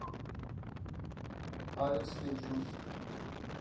апекс леджендс